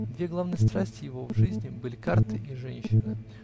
Две главные страсти его в жизни были карты и женщины